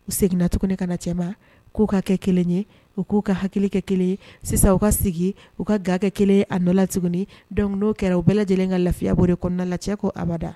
U seginnanacogo kana na cɛ k'u ka kɛ kelen ye u k'u ka hakilikɛ kelen ye sisan u ka sigi u ka gakɛ kelen a nɔ la tuguni dondo kɛra u bɛɛ lajɛlen ka lafiya bolo de kɔnɔna la cɛ ko abada